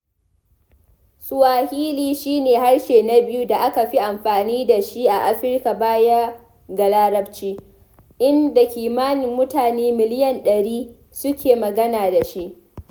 Swahili shi ne harshe na biyu da aka fi amfani da shi a Afirka baya ga Larabaci, inda kimanin mutane miliyan 100 suke magana da shi.